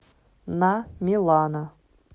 на милана